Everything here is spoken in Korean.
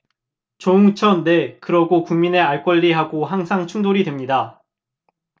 조응천 네 그러고 국민의 알권리 하고 항상 충돌이 됩니다